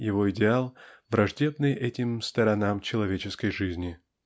его идеал враждебны этим сторонам человеческой жизни.